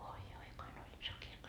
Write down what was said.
oi oi kuinka oli iso kirkko